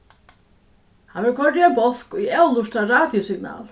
hann verður koyrdur í ein bólk ið avlurtar radiosignal